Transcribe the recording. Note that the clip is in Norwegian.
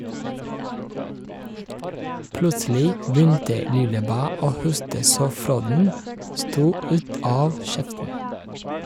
Plutselig begynte Lillebæ å hoste så fråden stod ut av kjeften.